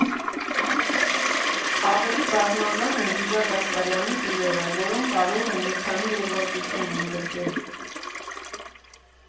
Ավելի բազմազան են Լիզա Գասպարյանի տուրերը, որոնք կարող են մի քանի ուղղվածություն ընդգրկել։